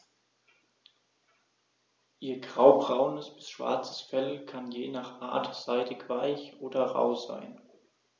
Ihr graubraunes bis schwarzes Fell kann je nach Art seidig-weich oder rau sein.